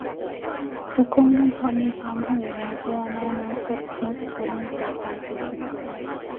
ก็คงต้องพอมีความก็แหน่ เพราะว่าในอนาคตก็ทุกคนต้องเสียภาษี